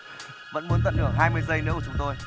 vẫn muốn tận hưởng hai mươi giây nữa của chúng tôi